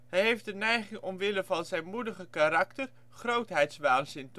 heeft de neiging omwille van zijn moedige karakter grootheidswaanzin